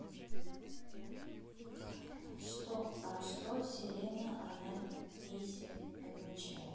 а что selena она пись означает